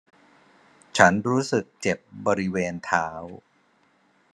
ฉันรู้สึกเจ็บบริเวณเท้า